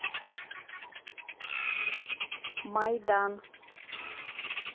майдан